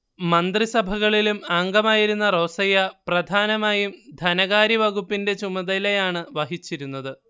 മന്ത്രിസഭകളിലും അംഗമായിരുന്ന റോസയ്യ പ്രധാനമായും ധനകാര്യവകുപ്പിന്റെ ചുമതലയാണ് വഹിച്ചിരുന്നത്